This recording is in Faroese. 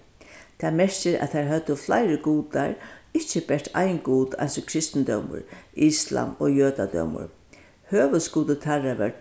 tað merkir at teir høvdu fleiri gudar ikki bert ein gud eins og kristindómur islam og jødadómur høvuðsgudur teirra var